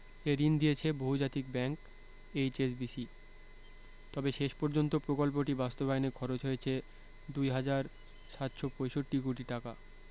এ ঋণ দিয়েছে বহুজাতিক ব্যাংক এইচএসবিসি তবে শেষ পর্যন্ত প্রকল্পটি বাস্তবায়নে খরচ হয়েছে ২ হাজার ৭৬৫ কোটি টাকা